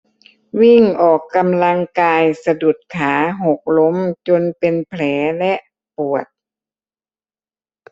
วิ่งออกกำลังกายสะดุดขาหกล้มจนเป็นแผลและปวด